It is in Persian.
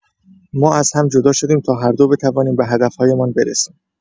ما از هم جدا شدیم تا هر دو بتوانیم به هدف‌هایمان برسیم.